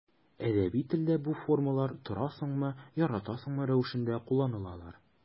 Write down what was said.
Әдәби телдә бу формалар торасыңмы, яратасыңмы рәвешендә кулланылалар.